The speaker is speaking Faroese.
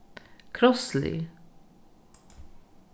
krosslið